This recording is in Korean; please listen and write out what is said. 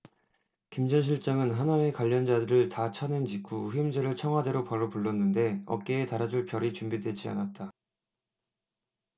김 전 실장은 하나회 관련자를 다 쳐낸 직후 후임자를 청와대로 바로 불렀는데 어깨에 달아줄 별이 준비되지 않았다